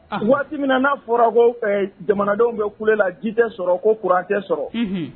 Waati min na n'a fɔra ko jamanadenw bɛ kula ji tɛ sɔrɔ ko kuran sɔrɔ